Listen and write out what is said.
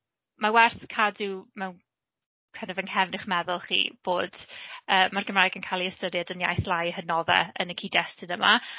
Ma' werth cadw mewn kind of yng nghefn eich meddwl chi chi bod... yy mae'r Gymraeg yn cael ei ystyried yn iaith lai ei hadnoddau yn y cyd-destun yma.